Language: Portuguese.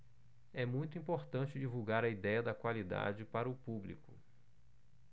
é muito importante divulgar a idéia da qualidade para o público